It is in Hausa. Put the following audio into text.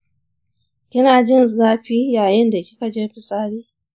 kinajin zafi yayin da kikaje fitsari